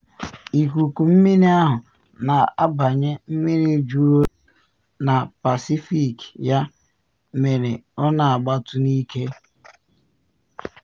Ikuku mmiri ahụ na abanye mmiri jụrụ oyi na Pacifik ya mere ọ na agbatu n’ike.